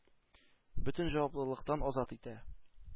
Бөтен җаваплылыктан азат итә.